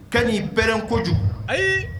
Ka nini bɛ ko kojugu ayi